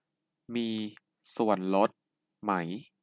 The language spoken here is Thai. มีส่วนลดไหม